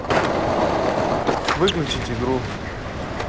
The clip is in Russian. выключить игру